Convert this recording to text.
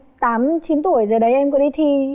tám chín tuổi gì đấy em có đi thi